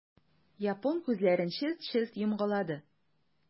Япон күзләрен челт-челт йомгалады.